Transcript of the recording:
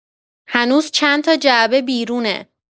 هنوز چند تا جعبه بیرونه.